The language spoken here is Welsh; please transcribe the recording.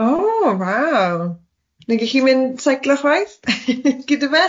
O waw, ni gellu mynd seiclo chwaith gyda fe?